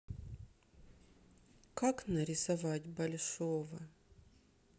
как нарисовать большого